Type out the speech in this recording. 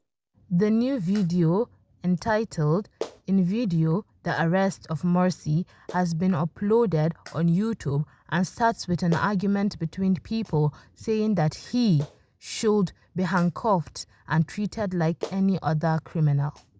The new video, entitled “In Video, the Arrest of Morsi”, has been uploaded on YouTube and starts with an argument between people [ar] saying that “he” should be handcuffed and “treated like any other criminal.”